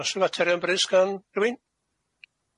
Oes na materion brys gan rywun?